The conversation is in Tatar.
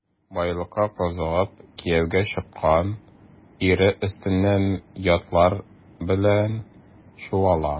Байлыкка кызыгып кияүгә чыккан, ире өстеннән ятлар белән чуала.